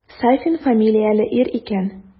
Сафин фамилияле ир икән.